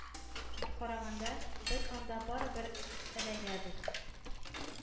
Бер караганда, без анда барыбер эләгәбез.